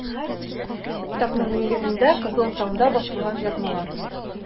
Китапның нигезендә - “Кызыл таң”да басылган язмалар.